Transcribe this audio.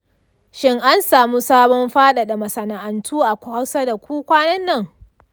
shin an samu sabon faɗaɗa masana’antu a kusa kwanan nan?